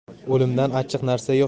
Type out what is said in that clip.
o'limdan achchiq narsa yo'q